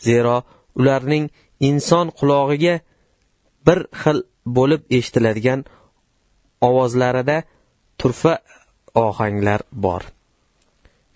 zero ularning inson qulog'iga bir xil bo'lib eshitiladigan ovozlarida turfa ohanglar bor